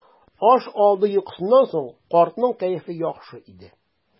Аш алды йокысыннан соң картның кәефе яхшы иде.